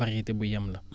variété bu yam la